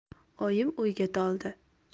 oyim o'yga toldi